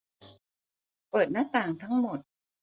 เปิดหน้าต่างทั้งหมด